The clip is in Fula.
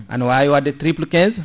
ana wawi wadde triple 15